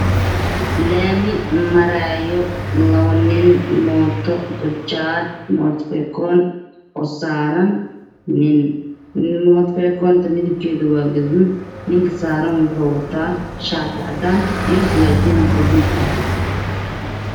Laami maraayo laba nin mooto bajaaj hotelkeedu waa guduud ninka saaran muxuu wataa shaati caddaalad james gudaha